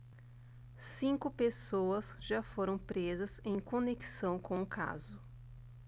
cinco pessoas já foram presas em conexão com o caso